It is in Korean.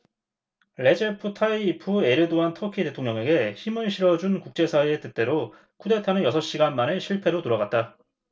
레제프 타이이프 에르도안 터키 대통령에게 힘을 실어준 국제사회의 뜻대로 쿠데타는 여섯 시간 만에 실패로 돌아갔다